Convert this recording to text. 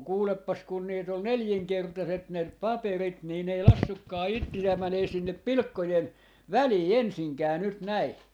mutta kuulepas kun niitä oli nelinkertaiset ne paperit niin ne ei laskenutkaan itseään menemään sinne pilkkojen väliin ensinkään nyt näin